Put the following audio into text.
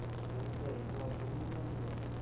Нәрсә, йоклап булмыймы әллә?